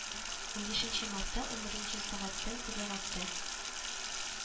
Унбишенче мартта унберенче сәгатьтән табигатьтән